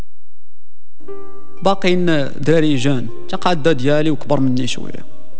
باقي فيريزون تقعد جالو اكبر من شويه